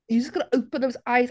You've just got to open those eyes...